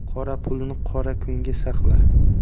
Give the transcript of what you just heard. qora pulni qora kunga saqla